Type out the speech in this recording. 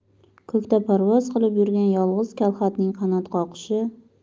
ko'kda parvoz qilib yurgan yolg'iz kalxatning qanot qoqishi